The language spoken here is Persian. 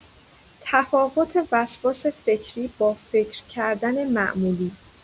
تفاوت وسواس فکری با فکر کردن معمولی